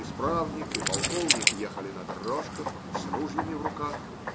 Исправник и полковник ехали на дрожках, с ружьями в руках